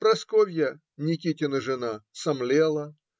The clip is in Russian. Парасковья, Никитина жена, сомлела.